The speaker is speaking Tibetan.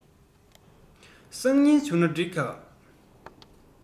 སང ཉིན བྱུང ན འགྲིག ག